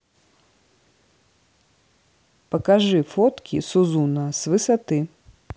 покажи фотки сузуна с высоты